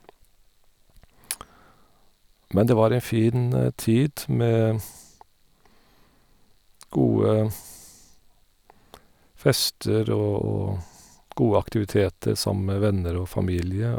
Men det var en fin tid med gode fester og og gode aktiviteter sammen med venner og familie.